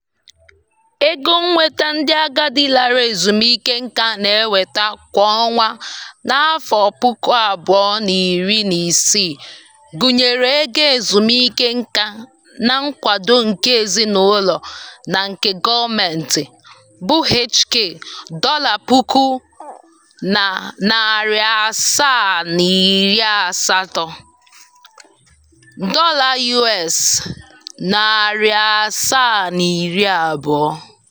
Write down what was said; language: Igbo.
Ego nnweta ndị agadi lara ezumike nka na-enweta kwa ọnwa n'afọ 2016—gụnyere ego ezumike nka na nkwado nke ezinụlọ na nke gọọmentị—bụ HK$5,780 (US$720).